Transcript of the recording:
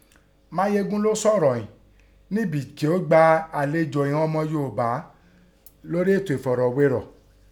Máyégún lọ́ sọ̀rọ̀ ìín nígbi kí ọ́ gba àlejò ìghọn ọmọ Yoòbá lórí ètò ẹ̀fọ̀rọ̀wérọ̀.